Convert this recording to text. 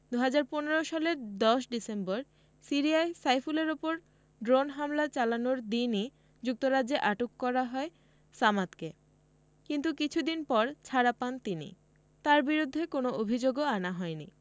২০১৫ সালের ১০ ডিসেম্বর সিরিয়ায় সাইফুলের ওপর ড্রোন হামলা চালানোর দিনই যুক্তরাজ্যে আটক করা হয় সামাদকে কিন্তু কিছুদিন পর ছাড়া পান তিনি তাঁর বিরুদ্ধে কোনো অভিযোগও আনা হয়নি